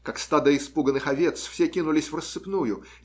Как стадо испуганных овец, все кинулись врассыпную.